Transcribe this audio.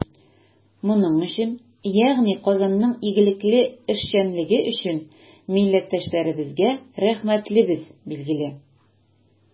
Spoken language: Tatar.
Моның өчен, ягъни Казанның игелекле эшчәнлеге өчен, милләттәшләребезгә рәхмәтлебез, билгеле.